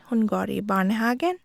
Hun går i barnehagen.